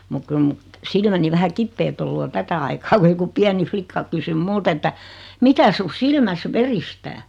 mutta kyllä minun silmäni vähän kipeät ollut on tätä aikaa kun joku pieni likka kysyi minulta että mikä sinun silmässä veristää